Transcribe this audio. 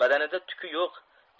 badanida tuki yo'q